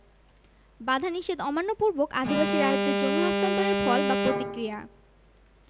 বাধানিষেধ অমান্য পূর্বক আদিবাসী রায়তদের জমি হস্তান্তরের ফল বা প্রতিক্রিয়া